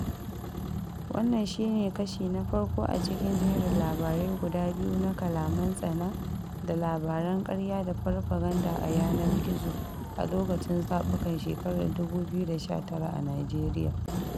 Wannan shi ne kashi na farko a cikin jerin labarai guda biyu na kalaman tsana da labaran ƙarya da farfaganda a yanar gizo a lokacin zaɓukan shekarar 2019 a Nijeriya.